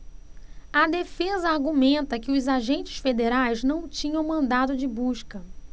a defesa argumenta que os agentes federais não tinham mandado de busca